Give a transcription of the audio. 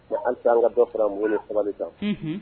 Bon alisa an ka dɔ fara muɲun ni sabali kan unhun